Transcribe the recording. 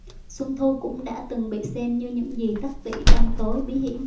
xuân thu cũng đã từng bị xem như những gì tắc tị tăm tối bí hiểm